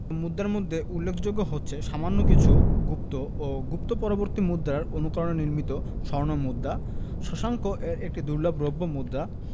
মুদ্রার মধ্যে উল্লেখযোগ্য হচ্ছে সামান্য কিছু গুপ্ত ও গুপ্ত পরবর্তী মুদ্রার অনুকরণে নির্মিত স্বর্ণ মুদ্রা শশাঙ্ক এর একটি দুর্লভ রৌপ্য মুদ্রা